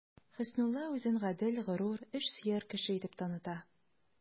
Хөснулла үзен гадел, горур, эшсөяр кеше итеп таныта.